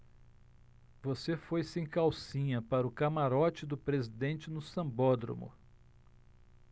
você foi sem calcinha para o camarote do presidente no sambódromo